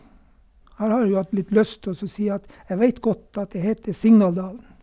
Jeg har jo hatt litt lyst til å så si at Jeg vet godt at det heter Signaldalen.